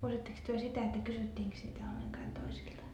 muistattekos te sitä että kysyttiinkös niitä ollenkaan toisiltaan